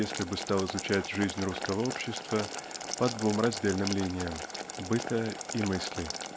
если бы стал изучать жизнь русского общества по двум раздельным линиям--быта и мысли